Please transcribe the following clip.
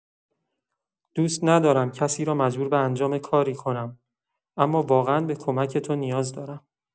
دوست ندارم کسی را مجبور به انجام کاری کنم، اما واقعا به کمک تو نیاز دارم.